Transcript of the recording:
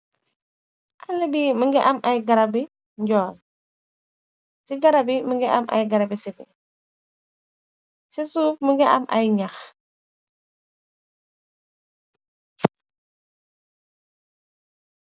albi mungi am ay gara bi njool, ci garab yi mungi am ay garabi sibi, ci suuf mungi am ay ñex.